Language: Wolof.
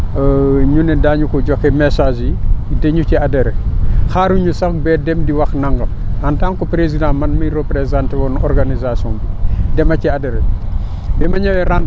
ñu ne daañu ko joxe messages yi dañu ci adhérer xaaruñu sax ba dem di wax nangam en tant que président man mi représenté woon organisation bi dama ci adhéré